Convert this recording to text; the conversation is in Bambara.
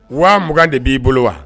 Waa mugan de b'i bolo wa?